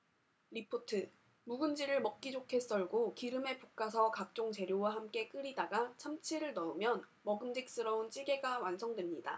리포트 묵은지를 먹기 좋게 썰고 기름에 볶아서 각종 재료와 함께 끓이다가 참치를 넣으면 먹음직스러운 찌개가 완성됩니다